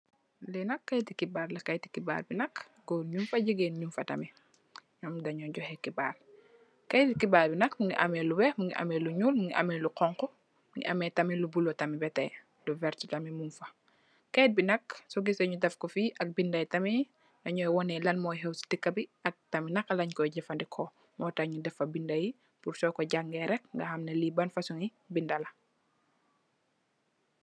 Liinak kaiiti xibarr la kaiiti xibarr bi nak gorr ñungfa gigeen ñungfa tamit ñom deñuy jokheh xibarr kaiiti xibarr bi nak mungi ameh lu wekh mungi ameh lu nyul mungi ameh lu xonxu mungi ameh tamit lu bulo tamit lu vertt tamit mungfa kaiit bi nak so guiseh ñui deffko fi ak binda yi tamit deñi waneh lan mo xew si dekabi ak tam naka lenko jefandiko motah ñu deffa binda yi purr soko jangeh rek ngaham neh lii ban fasongi bindala.